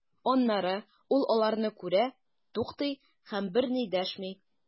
Аннары ул аларны күрә, туктый һәм берни дәшми.